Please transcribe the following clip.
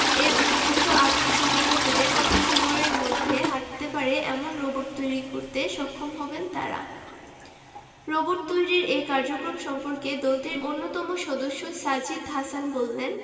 আর উপযুক্ত আর্থিক সহায়তা পেলে অল্প সময়ের মধ্যেই হাঁটতে পারে এমন রোবট তৈরি করতে সক্ষম হবেন তারা রোবট তৈরির এ কার্যক্রম সম্পর্কে দলটির অন্যতম সদস্য সাজিদ হাসান বললেন